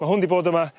ma' hwn 'di bod yma